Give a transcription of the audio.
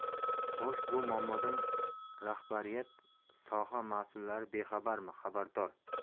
xo'sh bu muammodan rahbariyat soha mas'ullari bexabarmi xabardor